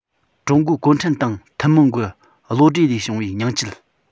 ཀྲུང གོའི གུང ཁྲན ཏང ཐུན མོང གི བློ གྲོས ལས བྱུང བའི ཉིང བཅུད